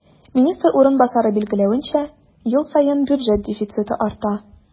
Министр урынбасары билгеләвенчә, ел саен бюджет дефициты арта.